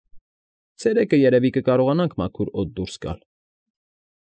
Ցերեկը, երևի, կկարողանանք մաքուր օդ դուրս գալ։